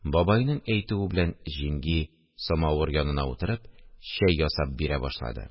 Бабайның әйтүе белән, җиңги, самавыр янына утырып, чәй ясап бирә башлады